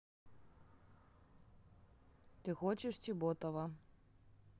ты хочешь чеботова